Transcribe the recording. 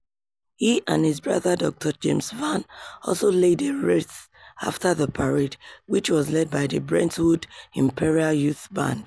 He and his brother Dr James Vann also laid a wreath after the parade, which was led by the Brentwood Imperial Youth Band.